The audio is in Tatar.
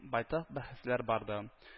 Байтак бәхәсләр барды